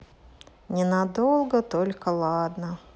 ненадолго только ладно